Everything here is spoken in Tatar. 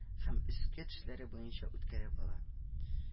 Һәм өске тешләре буенча үткәреп ала